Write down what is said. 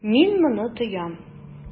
Мин моны тоям.